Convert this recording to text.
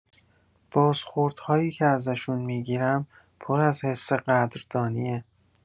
بازخوردهایی که ازشون می‌گیرم پر از حس قدردانیه.